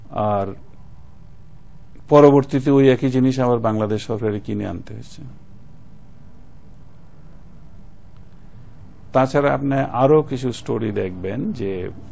আর পরবর্তীতে ওই একই জিনিস আবার বাংলাদেশ সরকারের কিনে আনতে হয়েছে তাছাড়া আপনি আরো কিছু স্টরি দেখবেন যে